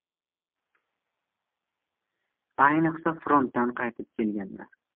ayniqsa frontdan qaytib kelaganlar